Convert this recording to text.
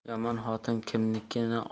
yomon xotin kimniki